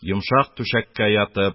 Йомшак түшәккә ятып,